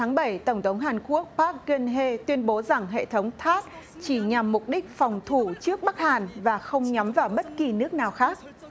tháng bảy tổng thống hàn quốc park geun hye tuyên bố rằng hệ thống thát chỉ nhằm mục đích phòng thủ trước bắc hàn và không nhắm vào bất kỳ nước nào khác